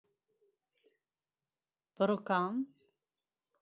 по рукам